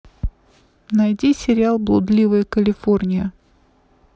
найди сериал блудливая калифорния